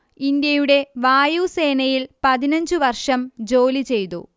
ഇന്ത്യയുടെ വായുസേനയിൽ പതിനഞ്ചു വർഷം ജോലി ചെയ്തു